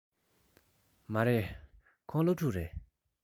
མ རེད ཁོང སློབ ཕྲུག རེད